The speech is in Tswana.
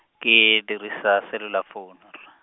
ke dirisa cellular phone .